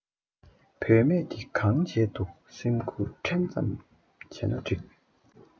བུད མེད འདི གང བྱས འདུག སེམས ཁུར ཕྲན ཙམ བྱས ན སྒྲིག